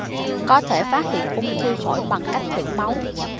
có thể phát hiện ung thư phổi bằng cách thử máu